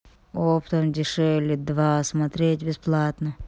оптом дешевле два смотреть бесплатно